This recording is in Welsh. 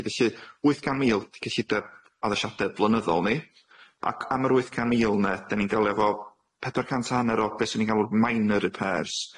Felly, wyth gan' mil 'di cyllideb addasiade blynyddol ni, ac am yr wyth can mil 'ne 'den ni'n delio efo pedwar cant a hanner o be' syn ni'n galw'n minor repairs,